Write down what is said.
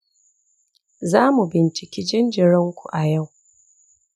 za mu binciki jinjirinku a yau